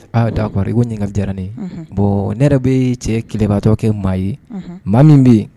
Aaa dakariri ko ɲininkaka diyaranen bɔn ne yɛrɛ bɛ cɛ tilebatɔ kɛ maa ye maa min bɛ yen